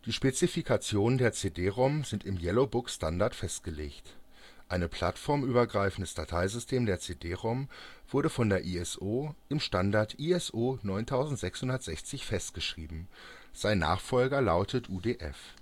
Spezifikationen der CD-ROM sind im „ Yellow Book “- Standard festgelegt. Ein plattformübergreifendes Dateisystem der CD-ROM wurde von der ISO im Standard ISO 9660 festgeschrieben. Sein Nachfolger lautet UDF